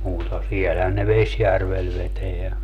mutta siellähän ne Vesijärvellä vetää